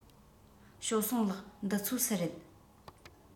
ཞའོ སུང ལགས འདི ཚོ སུའི རེད